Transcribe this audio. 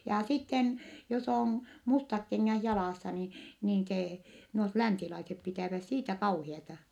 ja sitten jos on mustat kengät jalassa niin niin se nuo länsilaiset pitävät siitä kauheaa